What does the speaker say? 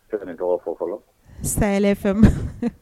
Tɔgɔ fɔ fɔlɔ say fɛn ma